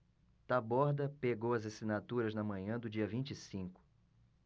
taborda pegou as assinaturas na manhã do dia vinte e cinco